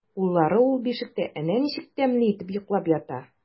Уллары ул бишектә әнә ничек тәмле итеп йоклап ята!